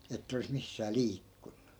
että olisi missään liikkunut